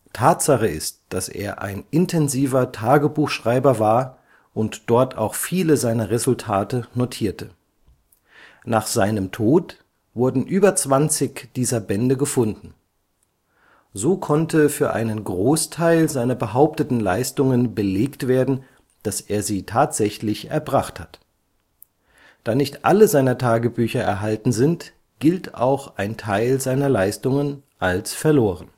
Tatsache ist, dass er ein intensiver Tagebuchschreiber war und dort auch viele seiner Resultate notierte. Nach seinem Tod wurden über zwanzig dieser Bände gefunden. So konnte für einen Großteil seiner behaupteten Leistungen belegt werden, dass er sie tatsächlich erbracht hat. Da nicht alle seiner Tagebücher erhalten sind, gilt auch ein Teil seiner Leistungen als verloren